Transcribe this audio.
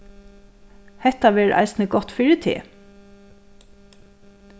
hetta verður eisini gott fyri teg